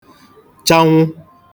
chanwụ